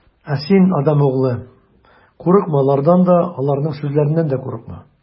Ә син, адәм углы, курыкма алардан да, аларның сүзләреннән дә курыкма.